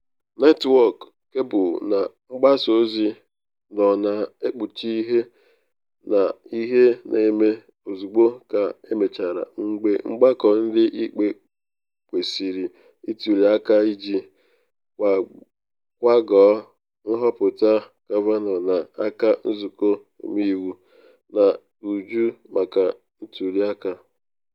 Netwọk kebụl na mgbasa ozi nọ na ekpuchi ihe na eme ozugbo ka emechara, mgbe Mgbakọ Ndị Ikpe kwesịrị ituli aka iji kwagoo nhọpụta Kavanaugh n’aka Nzụkọ Ọmeiwu n’uju maka ntuli aka.